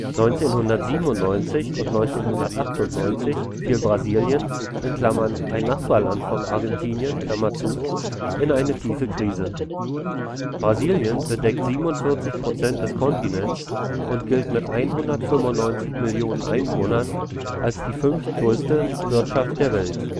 1997 und 1998 fiel Brasilien (ein Nachbarland von Argentinien) in eine tiefe Krise. Brasilien bedeckt 47 % des Kontinents und gilt mit 195 Millionen Einwohnern als die fünftgrößte Wirtschaft der Welt